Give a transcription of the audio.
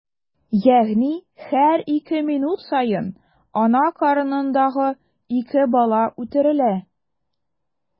Ягъни һәр ике минут саен ана карынындагы ике бала үтерелә.